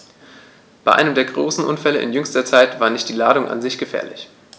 Bei einem der großen Unfälle in jüngster Zeit war nicht die Ladung an sich gefährlich.